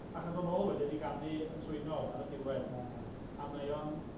Ac yn dod nôl wedyn i ganu yn swynol ar y diwedd. A! A mae o'n